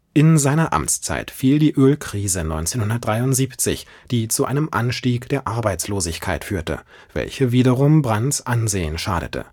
In seine Amtszeit fiel die Ölkrise 1973, die zu einem Anstieg der Arbeitslosigkeit führte, welche wiederum Brandts Ansehen schadete